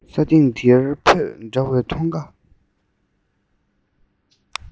ས སྟེང འདིར འཕོས འདྲ བའི མཐོ སྒང